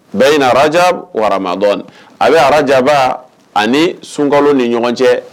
Bɛɛ in araja wara dɔɔnin a bɛ arajaba ani sunkolo ni ɲɔgɔn cɛ